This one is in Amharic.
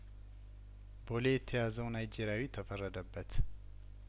ቦሌ የተያዘው ናይጄሪያዊ ተፈረደበት